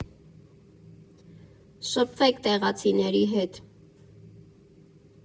Շփվեք տեղացիների հետ։